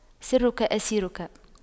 سرك أسيرك